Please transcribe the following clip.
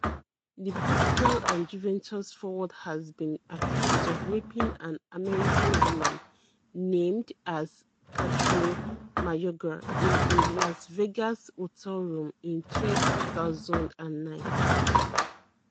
The Portugal and Juventus forward has been accused of raping an American woman, named as Kathryn Mayorga, in a Las Vegas hotel room in 2009.